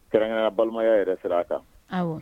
Kɛrɛnkɛrɛnnenyala balimaya yɛrɛ sira kan.